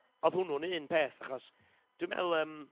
Oedd hwnnw'n un peth, achos dwi'n meddwl, ymm,